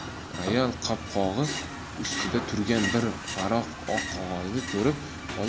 royal qopqog'i ustida turgan bir varaq oq qog'ozni ko'rib qolib